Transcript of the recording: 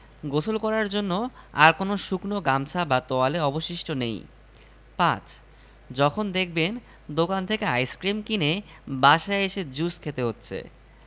গোসল করার জন্য আর কোনো শুকনো গামছা বা তোয়ালে অবশিষ্ট নেই ৫. যখন দেখবেন দোকান থেকে আইসক্রিম কিনে বাসায় এসে জুস খেতে হচ্ছে